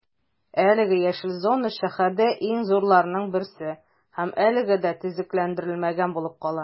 Әлеге яшел зона шәһәрдә иң зурларының берсе һәм әлегә дә төзекләндерелмәгән булып кала.